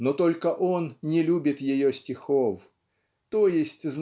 но только он не любит ее стихов т. е.